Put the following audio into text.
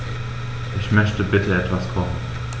Ich möchte bitte etwas kochen.